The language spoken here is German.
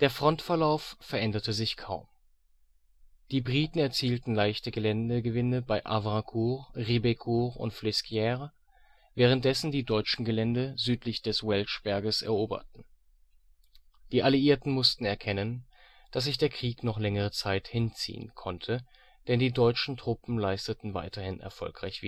Frontverlauf veränderte sich kaum. Die Briten erzielten leichte Geländegewinne bei Havrincourt, Ribécourt und Flesquières, währenddessen die Deutschen Gelände südlich des Welsh Berges eroberten. Die Alliierten mussten erkennen, dass sich der Krieg noch längere Zeit hinziehen konnte, denn die deutschen Truppen leisteten weiterhin erfolgreich